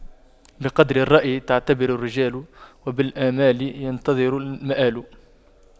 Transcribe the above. بقدر الرأي تعتبر الرجال وبالآمال ينتظر المآل